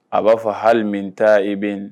A b'a fɔ hali min taa i bin ?